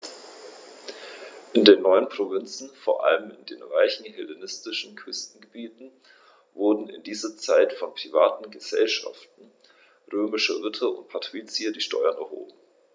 In den neuen Provinzen, vor allem in den reichen hellenistischen Küstenregionen, wurden in dieser Zeit von privaten „Gesellschaften“ römischer Ritter und Patrizier die Steuern erhoben.